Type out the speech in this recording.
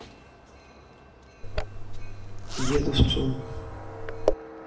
еду в цум